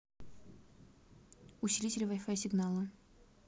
усилитель wifi сигнала